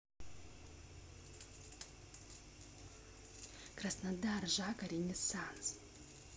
краснодар жака ренессанс